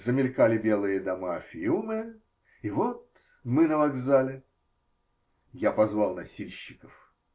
Замелькали белые дома Фиуме, и вот мы на вокзале. Я позвал носильщиков.